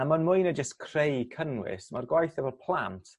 A ma' mwy na jys creu cynnwys ma'r gwaith efo'r plant